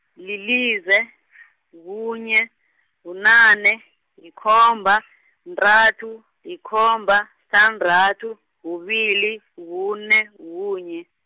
lilize, kunye, kunane, yikomba , -ntathu, yikomba, sithandathu, kubili, kune, kunye.